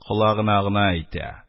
Колагына гына әйтә: